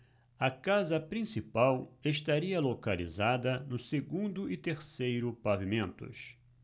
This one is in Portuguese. a casa principal estaria localizada no segundo e terceiro pavimentos